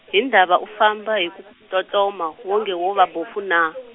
hi ndhava u famba hi ku tlotloma, wonge wo va bofu naa?